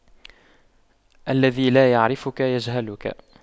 الذي لا يعرفك يجهلك